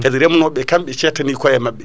kaadi remnoɓeɓe kamɓe cettani koye mabɓe